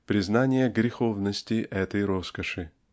признание греховности этой роскоши.